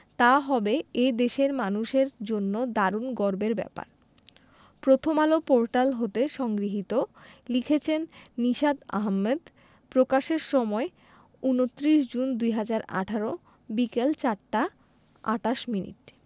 তা হবে এ দেশের মানুষের জন্য দারুণ গর্বের ব্যাপার প্রথমআলো পোর্টাল হতে সংগৃহীত লিখেছেন নিশাত আহমেদ প্রকাশের সময় ২৯ জুন ২০১৮ বিকেল ৪টা ২৮ মিনিট